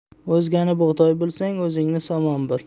o'zgani bug'doy bilsang o'zingni somon bil